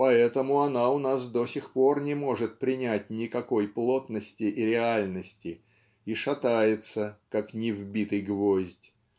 поэтому она у нас до сих пор не может принять никакой плотности и реальности и шатается как невбитый гвоздь